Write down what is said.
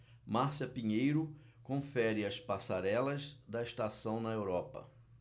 márcia pinheiro confere as passarelas da estação na europa